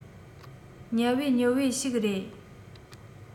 ཉབ བེ ཉོབ བེ ཞིག རེད